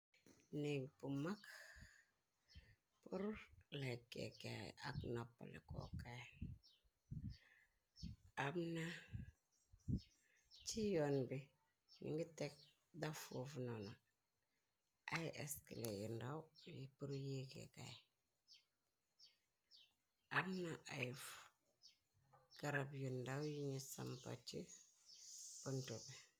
Négg bu mag, pr lekkekaay ak noppale kookaay, amna ci yoon bi ñu ngi teg dafof nona i skle yi ndaw, yi pr ykaay, amna ay garab yu ndaw yiñi sampa ci pëntube.